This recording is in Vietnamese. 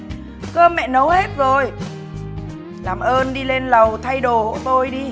cơm mẹ nấu hết rồi làm ơn đi lên lầu thay đồ hộ tôi đi